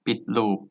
ปิดลูป